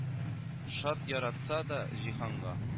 Шат яратса да, җиһанга